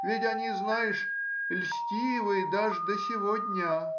ведь они, знаешь, льстивы даже до сего дня.